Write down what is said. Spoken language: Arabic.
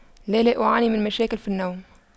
لا لا أعاني من مشاكل في النوم